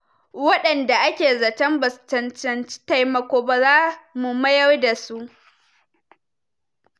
Waɗanda ake zaton ba su cancanci taimako ba za mu mayar da su.